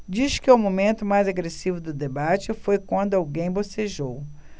diz que o momento mais agressivo do debate foi quando alguém bocejou